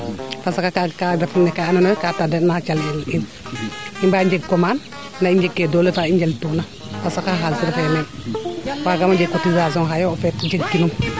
parce que kaaga ka ref no kee ando naye kaa tarde na calel in i mba njeg commande ndaa i njeg kee doole faa i njal tuuna parce que xalis refee meen wagaamo jeg cotisation xaye o feet jeg ki num